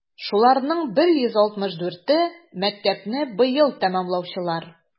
Шуларның 164е - мәктәпне быел тәмамлаучылар.